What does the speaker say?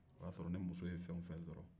o y'a sɔrɔ ni muso ye fɛn wo fɛn sɔrɔ